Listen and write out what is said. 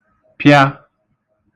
pịa